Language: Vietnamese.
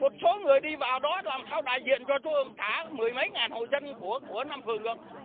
một số người đi vào đó làm sao đại diện cho trung ương cả mười mấy ngàn hộ dân của của năm phường được